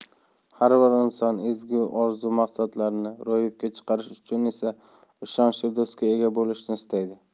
har bir inson ezgu orzu maqsadlarini ro'yobga chiqarish uchun esa ishonchli do'stga ega bo'lishni istaydi